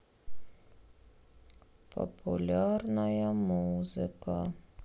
популярная музыка